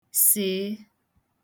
sèe